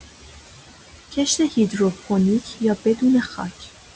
کشت هیدروپونیک یا بدون خاک